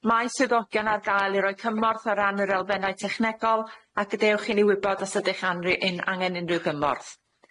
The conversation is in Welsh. Mae swyddogion ar gael i roi cymorth o ran yr elfennau technegol a gadewch i ni wybod os ydych anri- yn angen unrhyw gymorth.